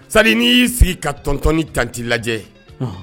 Sa n'i y'i sigi ka tɔnt tanti lajɛ